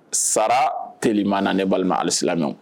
Sara telima na ne' alisila